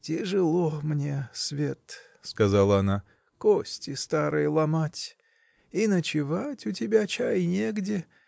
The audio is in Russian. -- Тяжело мне, свет, -- сказала она, -- кости старые ломать и ночевать у тебя, чай, негде